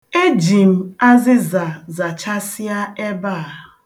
Eji m azịza zachasịa ebe a .